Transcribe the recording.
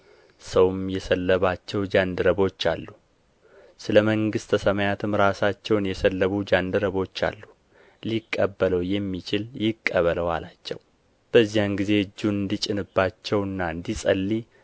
ሰውም የሰለባቸው ጃንደረቦች አሉ ስለ መንግሥተ ሰማያትም ራሳቸውን የሰለቡ ጃንደረቦች አሉ ሊቀበለው የሚችል ይቀበለው አላቸው በዚያን ጊዜ እጁን እንዲጭንባቸውና እንዲጸልይ